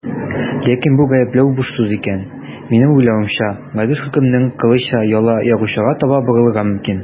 Ләкин бу гаепләү буш сүз икән, минем уйлавымча, гадел хөкемнең кылычы яла ягучыга таба борылырга мөмкин.